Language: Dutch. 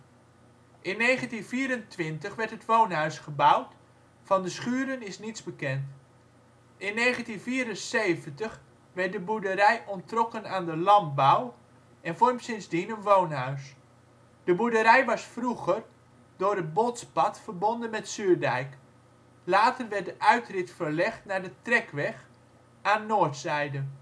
1654. In 1924 werd het woonhuis gebouwd, van de schuren is niets bekend. In 1974 werd de boerderij onttrokken aan de landbouw en vormt sindsdien een woonhuis. De boerderij was vroeger door het ' Boltspad ' verbonden met Zuurdijk. Later werd de uitrit verlegd naar de Trekweg aan noordzijde